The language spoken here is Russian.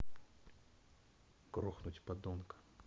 грохнуть падонка